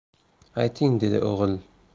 ayting dedi o'g'il